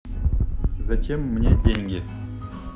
зачем мне деньги